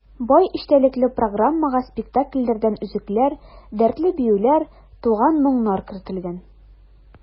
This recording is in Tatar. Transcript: Бай эчтәлекле программага спектакльләрдән өзекләр, дәртле биюләр, туган моңнар кертелгән.